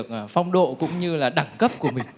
được phong độ cũng như là đẳng cấp của mình